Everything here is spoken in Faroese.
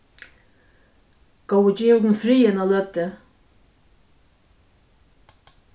góði gev okum frið eina løtu